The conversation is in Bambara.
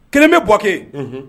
Kelen bɛ buwake